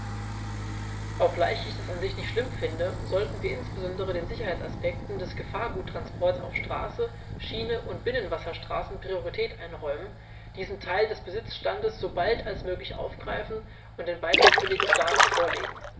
Obgleich ich das an sich nicht schlimm finde, sollten wir insbesondere den Sicherheitsaspekten des Gefahrguttransports auf Straße, Schiene und Binnenwasserstraßen Priorität einräumen, diesen Teil des Besitzstands so bald als möglich aufgreifen und den beitrittswilligen Staaten vorlegen.